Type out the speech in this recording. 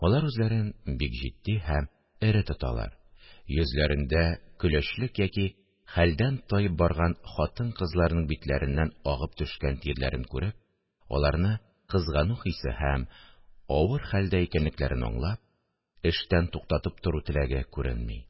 Алар үзләрен бик җитди һәм эре тоталар, йөзләрендә көләчлек яки хәлдән таеп барган хатын-кызларның битләреннән агып төшкән тирләрен күреп, аларны кызгану хисе һәм авыр хәлдә икәнлекләрен аңлап, эштән туктатып тору теләге күренми